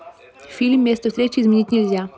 фильм место встречи изменить нельзя